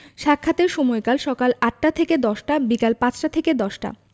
সাক্ষাতের সময়ঃসকাল ৮টা থেকে ১০টা - বিকাল ৫টা থেকে ১০টা